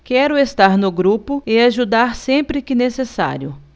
quero estar no grupo e ajudar sempre que necessário